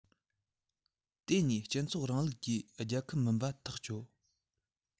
དེ ནས བཟུང སྤྱི ཚོགས རིང ལུགས ཀྱི རྒྱལ ཁབ མིན པ ཐག ཆོད